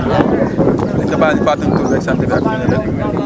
waaw kon nga baal ñu fàttali ñu tur beeg sant bi ak fi nga dëkk